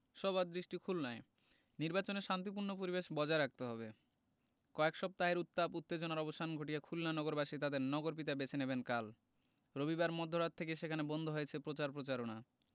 সবার দৃষ্টি খুলনায় নির্বাচনে শান্তিপূর্ণ পরিবেশ বজায় রাখতে হবে কয়েক সপ্তাহের উত্তাপ উত্তেজনার অবসান ঘটিয়ে খুলনা নগরবাসী তাঁদের নগরপিতা বেছে নেবেন কাল রবিবার মধ্যরাত থেকে সেখানে বন্ধ হয়েছে প্রচার প্রচারণা